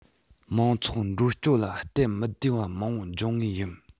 མང ཚོགས འགྲོ སྐྱོད ལ སྟབས མི བདེ བ མང པོ འབྱུང ངེས ཡིན